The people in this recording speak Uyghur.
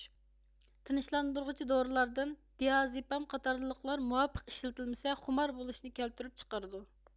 تىنچلاندۇرغۇچى دورىلاردىن دىئازېپام قاتارلىقلار مۇۋاپىق ئىشلىتىلمىسە خۇمار بولۇشنى كەلتۈرۈپ چىقىرىدۇ